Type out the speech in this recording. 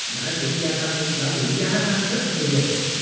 đã được gia tăng đã bị gia tăng rất nhiều